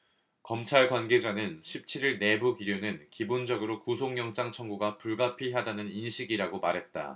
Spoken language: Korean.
검찰 관계자는 십 칠 일 내부 기류는 기본적으로 구속영장 청구가 불가피하다는 인식이라고 말했다